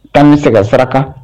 Tan bɛ se ka saraka